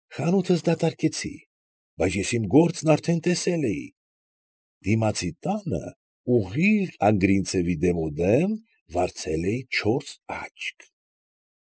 Խանութս դատարկեցի, բայց ես իմ գործն արդեն տեսել էի, դիմացի տանը, ուղիղ Ագրինցևի դեմ ու դեմ վարձել էի չորս աչք։